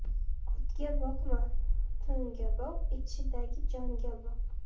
otga boqma to'nga boq ichidagi jonga boq